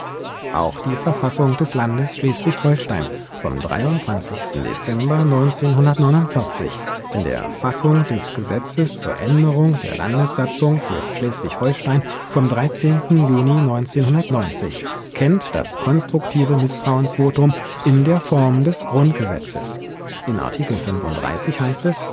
Auch die Verfassung des Landes Schleswig-Holstein vom 13. Dezember 1949 in der Fassung des Gesetzes zur Änderung der Landessatzung für Schleswig-Holstein vom 13. Juni 1990 kennt das konstruktive Misstrauensvotum in der Form des Grundgesetzes (Artikel 35): Der